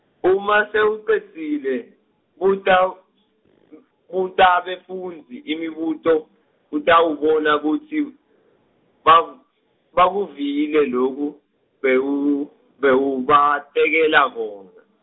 uma sewucedzile, buta , buta bafundzi imibuto, utawubona kutsi, baku- bakuvile loku, bewu- bewubatekela kona.